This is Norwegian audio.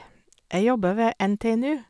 Jeg jobber ved NTNU.